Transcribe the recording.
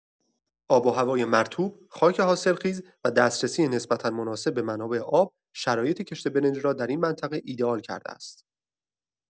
آب‌وهوای مرطوب، خاک حاصلخیز و دسترسی نسبتا مناسب به منابع آب، شرایط کشت برنج را در این منطقه ایده‌آل کرده است.